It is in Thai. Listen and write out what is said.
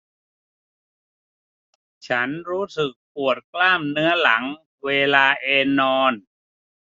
ฉันรู้สึกปวดกล้ามเนื้อหลังเวลาเอนนอน